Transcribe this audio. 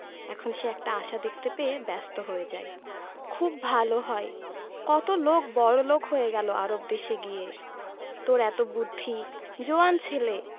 এখন সে একটা আশা দেখতে পেয়ে ব্যস্ত হয়ে যায় খুব ভালো হয় কত লোক বড়লোক হয়ে গেল আরব দেশে গিয়ে তোর এত বুদ্ধি জোয়ান ছেলে